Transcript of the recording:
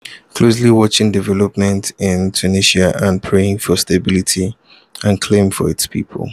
Closely watching developments in #Tunisia and praying for stability and calm for its people.